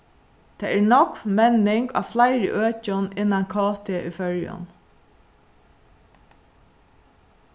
tað er nógv menning á fleiri økjum innan kt í føroyum